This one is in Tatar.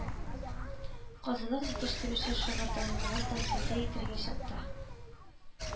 Казылык җитештерүче шыгырданлылар да сәүдә итәргә чыкты